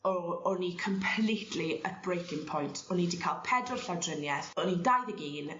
O- o'n i completely at breaking point o'n i 'di ca'l pedwar llawdrinieth o'n i'n dau ddeg un